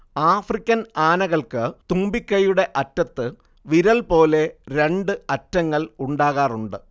African ആനകൾക്ക് തുമ്പിക്കൈയുടെ അറ്റത്ത് വിരൽ പോലെ രണ്ട് അറ്റങ്ങൾ ഉണ്ടാകാറുണ്ട്